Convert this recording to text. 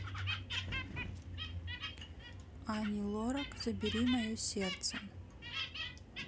ани лорак забери мое сердце